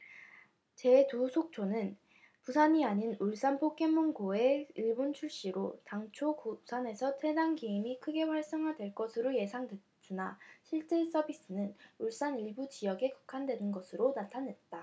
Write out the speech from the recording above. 제 두 속초는 부산 아닌 울산포켓몬 고의 일본 출시로 당초 부산에서 해당 게임이 크게 활성화될 것으로 예상됐으나 실제 서비스는 울산 일부 지역에 국한되는 것으로 나타났다